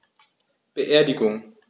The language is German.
Beerdigung